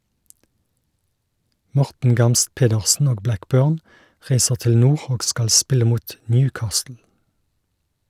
Morten Gamst Pedersen og Blackburn reiser til nord og skal spille mot Newcastle.